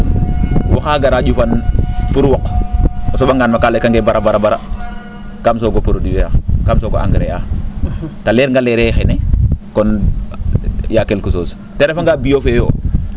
waxa gara ?ufan pour woq o so?angaan ma kaa laykang ee bara bara kam soogo produir a kam soogo engrais a teleer nga leere xene kon y'a quelque chose to refanga bio fee yo